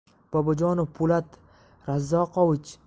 bobojonov po'lat razzoqovich